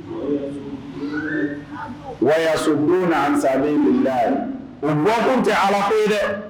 Waso donsa boli ye kun tɛ ala fɛ yen dɛ